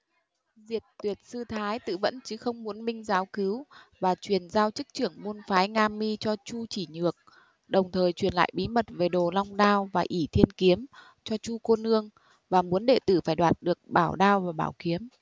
diệt tuyệt sư thái tự vẫn chứ không muốn minh giáo cứu và truyền giao chức chưởng môn phái nga mi cho chu chỉ nhược đồng thời truyền lại bí mật về đồ long đao và ỷ thiên kiếm cho chu cô nương và muốn đệ tử phải đoạt được bảo đao và bảo kiếm